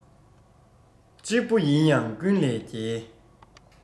གཅིག པུ ཡིན ཡང ཀུན ལས རྒྱལ